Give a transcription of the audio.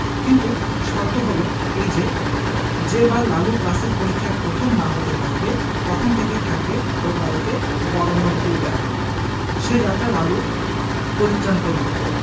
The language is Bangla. কিন্তু শর্ত হলো এই যে যে বার লালু ক্লাসের পরীক্ষায় প্রথম না হতে পারবে তখন থেকে থাকবে ওর বাড়িতে পড়ানোর টিউটার সে যাত্রা লালু পরিত্রাণ পেলে